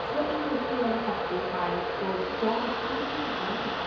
Tibod un peth dwi yn hoffi yw'r ffaith bod Gemma kind of wedi diflannu.